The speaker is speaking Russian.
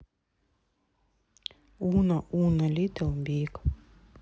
уно уно литл биг